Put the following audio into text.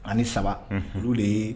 Ani saba olu de ye